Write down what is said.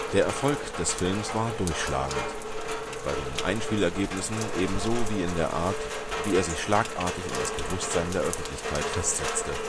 Erfolg des Films war durchschlagend – bei den Einspielergebnissen ebenso wie in der Art, wie er sich schlagartig in das Bewusstsein der Öffentlichkeit festsetzte